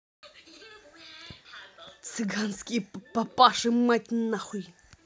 цыганские папашу мать нахуй